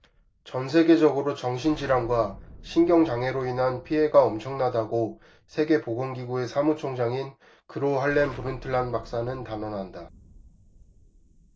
전 세계적으로 정신 질환과 신경 장애로 인한 피해가 엄청나다고 세계 보건 기구의 사무총장인 그로 할렘 브룬틀란 박사는 단언한다